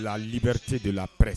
Brite de la pre